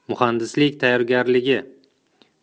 muhandislik tayyorgarligi